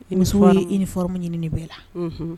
ye uniforme ɲini nin bɛɛ la